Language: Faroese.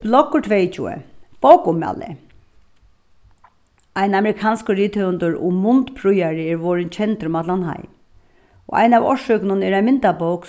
bloggur tveyogtjúgu bókaummæli ein amerikanskur rithøvundur og er vorðin kendur um allan heim og ein av orsøkunum er ein myndabók